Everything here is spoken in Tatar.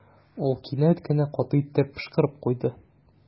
Ул кинәт кенә каты итеп пошкырып куйды.